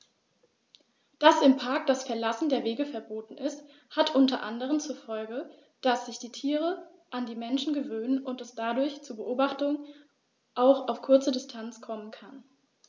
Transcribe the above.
Dass im Park das Verlassen der Wege verboten ist, hat unter anderem zur Folge, dass sich die Tiere an die Menschen gewöhnen und es dadurch zu Beobachtungen auch auf kurze Distanz kommen kann.